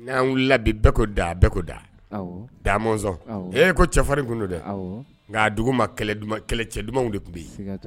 An wulila labɛn ko dako da da mɔnzɔn e ko cɛfarin tun don dɛ nka dugu ma kɛlɛ cɛ dumanw de tun bɛ yen